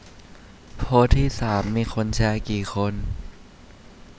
โพสต์ที่สามมีคนแชร์กี่คน